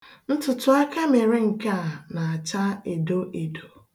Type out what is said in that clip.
Ntụtụakamere nke a na-acha edo edo